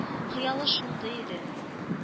Хыялы шундый иде